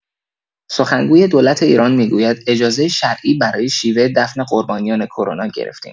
سخنگوی دولت ایران می‌گوید اجازه شرعی برای شیوه دفن قربانیان کرونا گرفتیم.